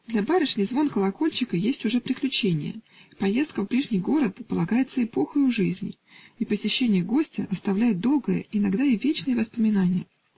Для барышни звон колокольчика есть уже приключение, поездка в ближний город полагается эпохою в жизни, и посещение гостя оставляет долгое, иногда и вечное воспоминание.